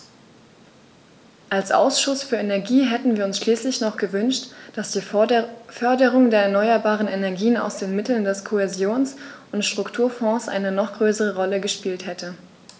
Als Ausschuss für Energie hätten wir uns schließlich noch gewünscht, dass die Förderung der erneuerbaren Energien aus den Mitteln des Kohäsions- und Strukturfonds eine noch größere Rolle gespielt hätte.